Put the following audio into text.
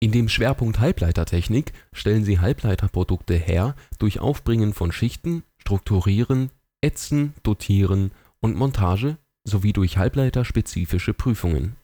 dem Schwerpunkt " Halbleitertechnik " stellen sie Halbleiterprodukte her durch Aufbringen von Schichten, Strukturieren, Ätzen, Dotieren und Montage sowie durch halbleiterspezifische Prüfungen